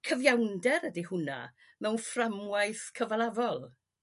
Cyfiawnder ydy hwnna mewn fframwaith cyfalafol.